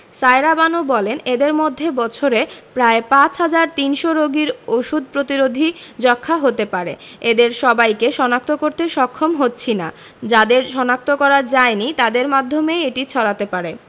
সায়েরা বানু বলেন এদের মধ্যে বছরে প্রায় ৫ হাজার ৩০০ রোগীর ওষুধ প্রতিরোধী যক্ষ্মা হতে পারে এদের সবাইকে শনাক্ত করতে সক্ষম হচ্ছি না যাদের শনাক্ত করা যায়নি তাদের মাধ্যমেই এটি ছড়াতে পারে